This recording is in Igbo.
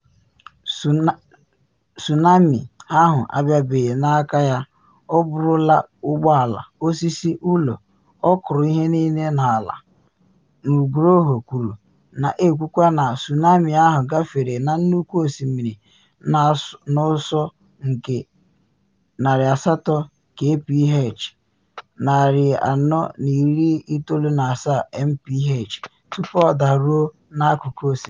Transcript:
“Tsunami ahụ abịaghị n’aka ya, o burulu ụgbọ ala, osisi, ụlọ, ọ kụrụ ihe niile nọ n’ala,” Nugroho kwuru, na ekwukwa na tsunami ahụ gafere na nnukwu osimiri n’ọsọ nke 800 kph (497 mph) tupu o daruo n’akụkụ osimiri.